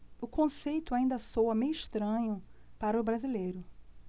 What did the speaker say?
o conceito ainda soa meio estranho para o brasileiro